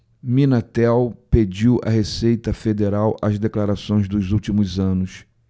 minatel pediu à receita federal as declarações dos últimos anos